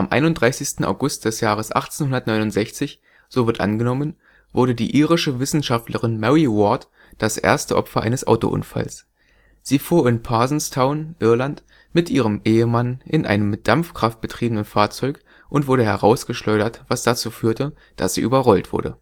31. August des Jahres 1869 – so wird angenommen – wurde die irische Wissenschaftlerin Mary Ward das erste Opfer eines Autounfalls. Sie fuhr in Parsonstown (Irland) mit ihrem Ehemann in einem mit Dampfkraft betriebenen Fahrzeug und wurde herausgeschleudert, was dazu führte, dass sie überrollt wurde